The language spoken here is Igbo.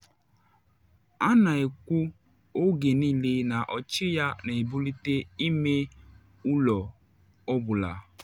Ha na ekwu oge niile na ọchị ya na ebulite ime ụlọ ọ bụla.”